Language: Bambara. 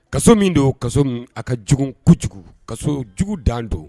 Ka min don o ka min a ka jugu kojugu ka so jugu dan don